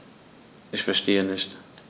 Ich verstehe nicht.